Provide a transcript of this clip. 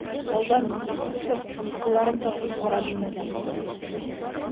Алдан сүз кушып, кылларын тартып карадымы икән соң...